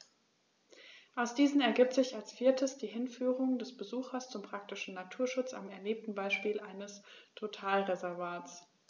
Aus diesen ergibt sich als viertes die Hinführung des Besuchers zum praktischen Naturschutz am erlebten Beispiel eines Totalreservats.